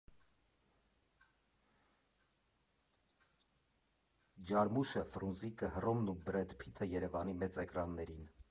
Ջարմուշը, Ֆրունզիկը, Հռոմն ու Բրեդ Փիթը Երևանի մեծ էկրաններին։